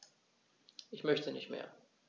Ich möchte nicht mehr.